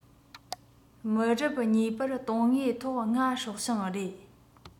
མི རབས གཉིས པར དོན དངོས ཐོག ང སྲོག ཤིང རེད